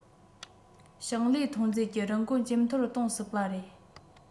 ཞིང ལས ཐོན རྫས ཀྱི རིན གོང ཇེ མཐོར གཏོང སྲིད པ རེད